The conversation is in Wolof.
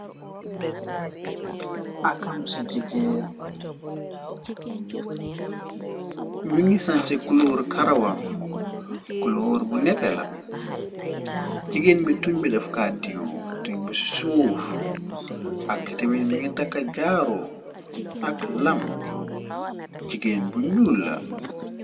Akam ci jigéen mingi sanse kuloru karawam kuloor bu nete la jigéen bi tuñ bi dafkaat diiwu tuñ bu ci suuf ak kitemin mi nga takka jaaroo ak lam jigéen bu ñjul la.